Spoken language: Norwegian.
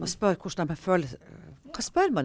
og spør hvordan dem er føler hva spør man?